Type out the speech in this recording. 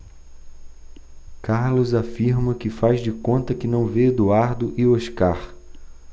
carlos afirma que faz de conta que não vê eduardo e oscar